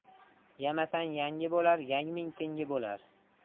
yamasang yangi bo'lar yangming tengi bo'lar